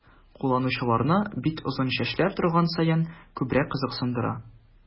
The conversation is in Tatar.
Кулланучыларны бик озын чәчләр торган саен күбрәк кызыксындыра.